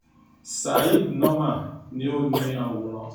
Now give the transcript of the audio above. Syed Noman ni ó ní àwòrán.